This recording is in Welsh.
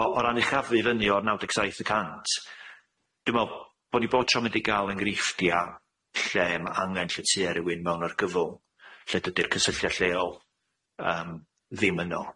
O- o ran uchafu fyny o'r naw deg saith y cant dwi me'wl bo' ni bob tro mynd i ga'l enghreifftia lle ma' angen lletya rywun mewn argyfwng lle dydi'r cysylltia' lleol yym ddim yno.